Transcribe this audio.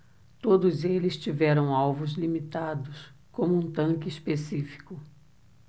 todos eles tiveram alvos limitados como um tanque específico